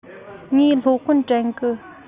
ངས སློབ དཔོན དྲན གི